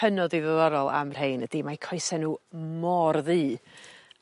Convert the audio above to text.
hynod i ddiddorol am rhein ydi mae coese n'w mor ddu.